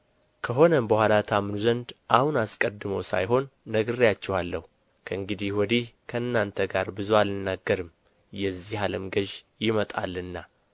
ከሆነም በኋላ ታምኑ ዘንድ አሁን አስቀድሞ ሳይሆን ነግሬአችኋለሁ ከእንግዲህ ወዲህ ከእናንተ ጋር ብዙ አልናገርም የዚህ ዓለም ገዥ ይመጣልና